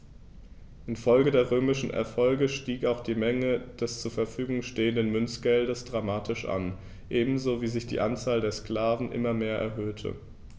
Infolge der römischen Erfolge stieg auch die Menge des zur Verfügung stehenden Münzgeldes dramatisch an, ebenso wie sich die Anzahl der Sklaven immer mehr erhöhte.